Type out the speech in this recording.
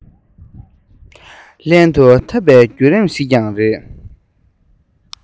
ལྷན དུ འཐབ པའི བརྒྱུད རིམ ཞིག ཀྱང རེད